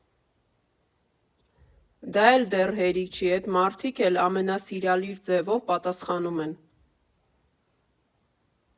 Դա էլ դեռ հերիք չի, էդ մարդիկ էլ ամենասիրալիր ձևով պատասխանում են։